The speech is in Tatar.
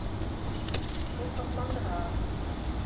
Шул шатландыра.